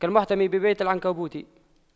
كالمحتمي ببيت العنكبوت